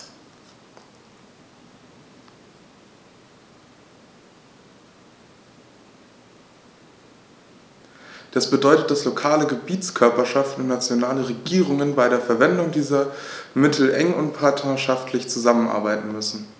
Das bedeutet, dass lokale Gebietskörperschaften und nationale Regierungen bei der Verwendung dieser Mittel eng und partnerschaftlich zusammenarbeiten müssen.